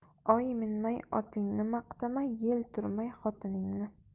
oy minmay otingni maqtama yil turmay xotiningni